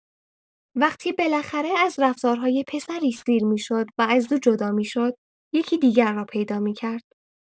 وقتی بالاخره از رفتارهای پسری سیر می‌شد و از او جدا می‌شد، یکی دیگر را پیدا می‌کرد.